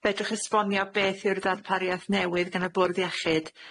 Fedrwch esbonio beth yw'r ddarpariaeth newydd gan y Bwrdd Iechyd,